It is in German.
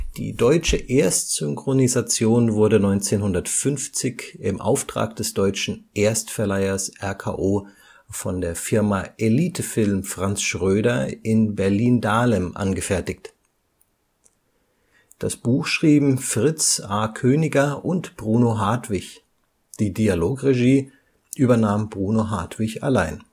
Die deutsche Erstsynchronisation wurde 1950 im Auftrag des deutschen Erstverleihers RKO von der Firma Elite Film Franz Schröder in Berlin-Dahlem angefertigt. Das Buch schrieben Fritz A. Koeniger und Bruno Hartwich, die Dialogregie übernahm Bruno Hartwich allein